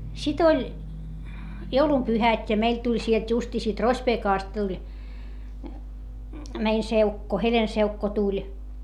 sitten oli joulunpyhät ja meille tuli sieltä justiin siitä Rospeekasta tuli meidän seukko Helen-seukko tuli